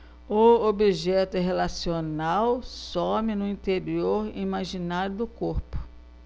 o objeto relacional some no interior imaginário do corpo